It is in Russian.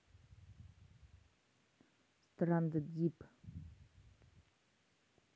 stranded deep